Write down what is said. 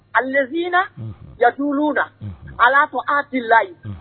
A lezina yadu na a y'a fɔ adu layi